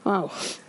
Waw.